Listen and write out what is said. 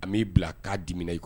A b'i bila k'a dimina i kɔ